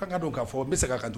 Kan ka don'a fɔ n bɛ se ka don